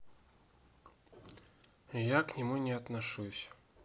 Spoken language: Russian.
я к нему не отношусь